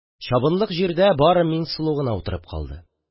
Чабынлык җирдә Миңсылу гына утырып калды.